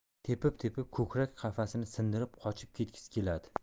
tepib tepib ko'krak qafasini sindirib qochib ketgisi keladi